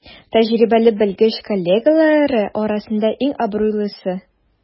Тәҗрибәле белгеч коллегалары арасында иң абруйлысы.